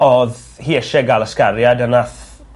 odd hi isie ga'l ysgariad a nath